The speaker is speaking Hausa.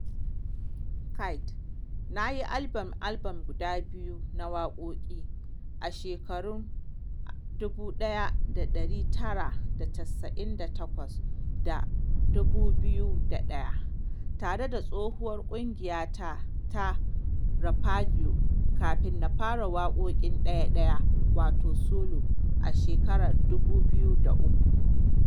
Keyti: Na yi album-album guda biyu na waƙoƙi (a shekarun 1998 da 2001) tare da tsohuwar ƙungiyata ta Rapadio kafin na fara waƙoƙin ɗaya-ɗaya, wato solo, a 2003.